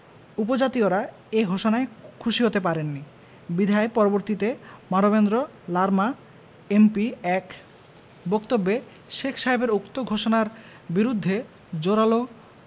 উপজাতয়িরা এ ঘোষণায় খুশী হতে পারেনি বিধায় পরবর্তীতে মানবেন্দ্র লারমা এম.পি. এক বক্তব্যে শেখ সাহেবের উক্ত ঘোষণার বিরুদ্ধে জোরালো